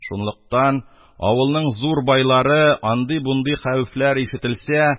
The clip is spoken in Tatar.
Шунлыктан, авылның зур байлары, андый-бундый хәвефләр ишетелсә,